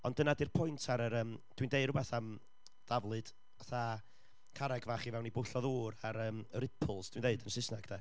Ond dyna 'di'r pwynt ar yr yym... Dwi'n deud rywbeth am daflud, fatha carreg fach i fewn i bwll o ddŵr a'r yym, y ripples, dwi'n dweud, yn Saesneg de...